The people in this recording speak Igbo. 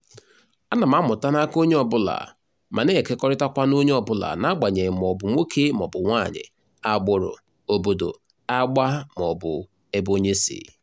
Ana m amụta n'aka onye ọbụla ma na-ekekọrịtakwa n'onye ọbụla n'agbanyeghị ma ọ bụ nwoke ma ọ bụ nwaanyi, agbụrụ, obodo, agba maọbụ ebeonyesi.